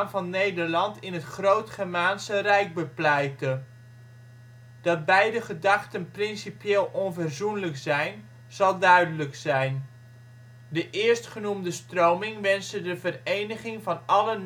van Nederland in het Groot-Germaanse Rijk bepleitte. Dat beide gedachten principieel on­verzoenlijk zijn, zal duidelijk zijn. De eerstgenoemde stroming wenste de vereniging van alle